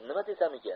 nima desamikin